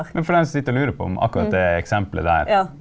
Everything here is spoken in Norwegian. men for dem så sitter og lurer på om akkurat det eksempelet der.